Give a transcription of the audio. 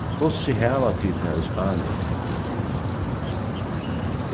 hvussu hava tit tað í spania